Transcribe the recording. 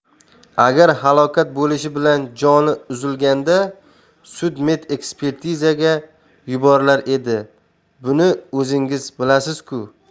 agar halokat bo'lishi bilan joni uzilganda sudmedekspertizaga yuborilar edi buni o'zingiz bilasiz ku